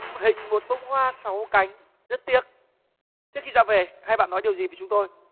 hình một bông hoa sáu cánh rất tiếc trước khi ra về hai bạn nói điều gì với chúng tôi